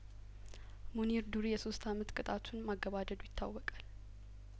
ሙኒር ዱሪ የሶስት አመት ቅጣቱን ማገባደዱ ይታወቃል